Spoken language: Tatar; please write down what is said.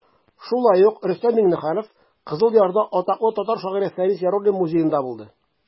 Шулай ук Рөстәм Миңнеханов Кызыл Ярда атаклы татар шагыйре Фәнис Яруллин музеенда булды.